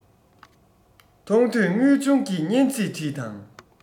མཐོང ཐོས དངོས བྱུང གི སྙན ཚིག བྲིས དང